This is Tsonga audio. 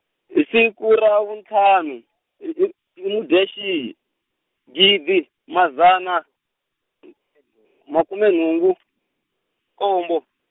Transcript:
hi siku ra vuntlhanu hi hi, hi Mudyaxihi, gidi, madzana, makume nhungu , nkombo.